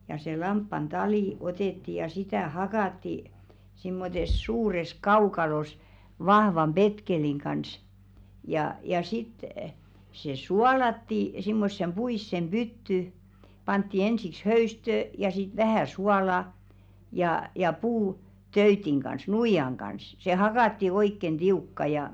ja se lampaan tali otettiin ja sitä hakattiin semmoisessa suuressa kaukalossa vahvan petkeleen kanssa ja ja sitten se suolattiin semmoiseen puiseen pyttyyn pantiin ensiksi höystöä ja sitten vähän suolaa ja ja - puutöytin kanssa nuijan kanssa se hakattiin oikein tiukka ja